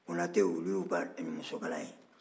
konatɛw olu y'u ka incomprehensible